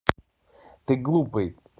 ты глупый